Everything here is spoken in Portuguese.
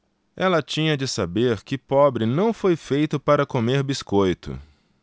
ela tinha de saber que pobre não foi feito para comer biscoito